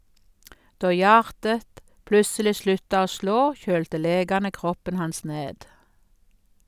Då hjartet plutseleg slutta å slå, kjølte legane kroppen hans ned.